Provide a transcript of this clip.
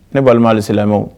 Ne balimaale sila